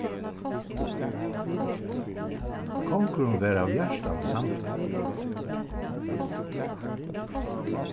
kongurin var av hjartanum samdur